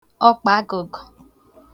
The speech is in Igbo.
ọkpagụgọ̀